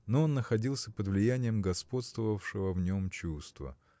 но он находился под влиянием господствовавшего в нем чувства.